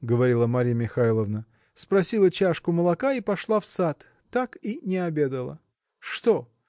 – говорила Марья Михайловна, – спросила чашку молока и пошла в сад так и не обедала. Что?